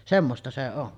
semmoista se on